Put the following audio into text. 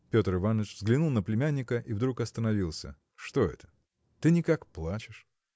Петр Иваныч взглянул на племянника и вдруг остановился. – Что это? ты, никак, плачешь?